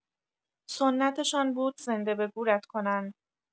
سنت‌شان بود زنده به گورت کنند